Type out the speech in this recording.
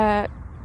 Yy.